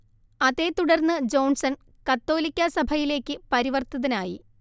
അതേത്തുടർന്ന് Johnson കത്തോലിക്കാസഭയിലെക്ക് പരിവർത്തിതനായി